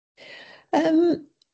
Yym.